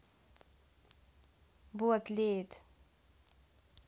bula тлеет